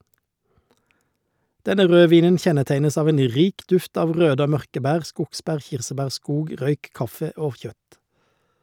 Denne rødvinen kjennetegnes av en rik duft av røde og mørke bær, skogsbær, kirsebær, skog, røyk, kaffe og kjøtt.